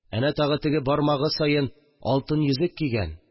Әнә тагы бармагы саен алтын йөзек кигән